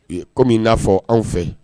Kɔmi min n'a fɔ anw fɛ